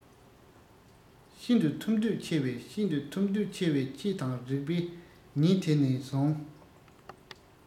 ཤིན ཏུ ཐོབ འདོད ཆེ བས ཤིན ཏུ ཐོབ འདོད ཆེ བས ཁྱེད དང རེག པའི ཉིན དེ ནས བཟུང